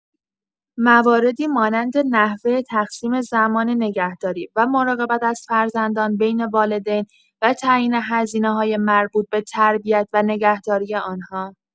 مواردی مانند نحوه تقسیم زمان نگهداری و مراقبت از فرزندان بین والدین و تعیین هزینه‌های مربوط به تربیت و نگهداری آن‌ها